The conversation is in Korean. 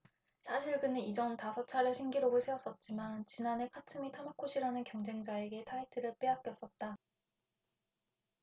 사실 그는 이전 다섯 차례 신기록을 세웠었지만 지난해 카츠미 타마코시라는 경쟁자에게 타이틀을 빼앗겼었다